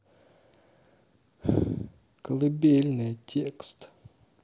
колыбельная текст